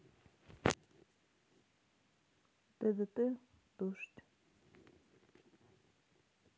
ддт дождь